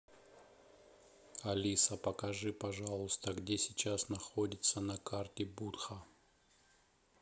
алиса покажи пожалуйста где сейчас находится на карте buddha